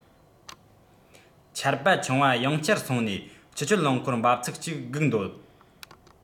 ཆར པ ཆུང བ ཡང བསྐྱར སོང ནས སྤྱི སྤྱོད རླངས འཁོར འབབ ཚུགས གཅིག སྒུག འདོད